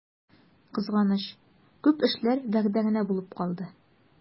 Кызганыч, күп эшләр вәгъдә генә булып калды.